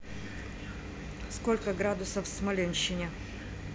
сколько градусов в смоленщине